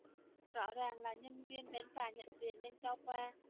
rõ ràng là nhân viên bến phà nhận tiền nên cho qua